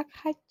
ak xacc.